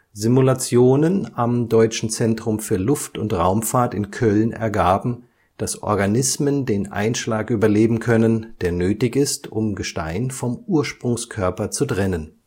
Simulationen am Deutschen Zentrum für Luft - und Raumfahrt in Köln ergaben, dass Organismen den Einschlag überleben können, der nötig ist, um Gestein vom Ursprungskörper zu trennen